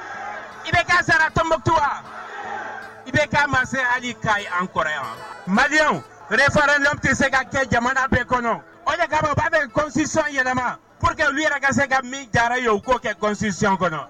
IBK sera Tɔnbukutu wa? IBK ma se hali Kayi an kɔrɔ yan. Maliyɛnw referendum tɛ se ka kɛ jamana bɛɛ kɔnɔ, o de kama o b'a fɛ constitution yɛlɛma pour que olu yɛrɛ ka se ka min jara o ye o k'o kɛ constitution kɔnɔ.